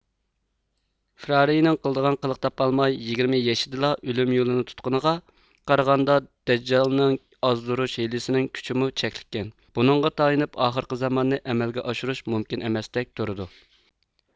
فىرارينىڭ قىلدىغان قىلىق تاپالماي يىگىرمە يېشىدىلا ئۆلۈم يولنى تۇتقىنىغا قارىغاندا دەججالنىڭ ئازدۇرۇش ھىيلىسىنىڭ كۈچىمۇ چەكلىككەن بۇنىڭغا تايىنىپ ئاخىرقى زاماننى ئەمەلگە ئاشۇرۇش مۇمكىن ئەمەستەك تۇرىدۇ